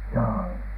joo